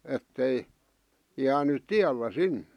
että ei jäänyt tiellä sinne